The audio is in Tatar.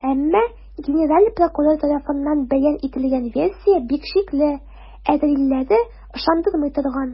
Әмма генераль прокурор тарафыннан бәян ителгән версия бик шикле, ә дәлилләре - ышандырмый торган.